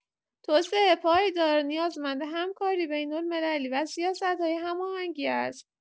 توسعه پایدار نیازمند همکاری بین‌المللی و سیاست‌های هماهنگ است.